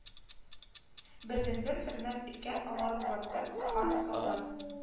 Бердәнбер хөрмәт иткән олар батыр хан калдыр